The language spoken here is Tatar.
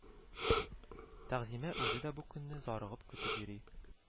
Тәгъзимә үзе дә бу көнне зарыгып көтеп йөри